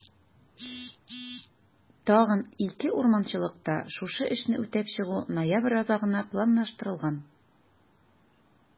Тагын 2 урманчылыкта шушы эшне үтәп чыгу ноябрь азагына планлаштырылган.